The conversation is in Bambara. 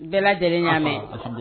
Bɛɛ lajɛlen y'a mɛn